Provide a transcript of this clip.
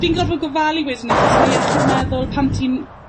fi'n gorfod gofalu wedyn, achos ma' iechyd meddwl pan ti'n